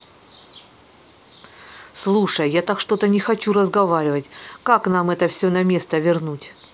слушай я так что то не хочу разговаривать как нам это все на место вернуть